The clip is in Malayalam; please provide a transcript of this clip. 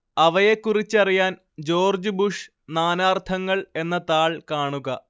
അവയെക്കുറിച്ചറിയാന്‍ ജോര്‍ജ് ബുഷ് നാനാര്‍ത്ഥങ്ങള്‍ എന്ന താള്‍ കാണുക